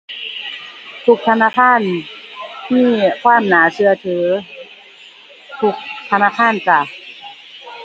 ทุกธนาคารมีความน่าเชื่อถือ ทุกธนาคารจ้า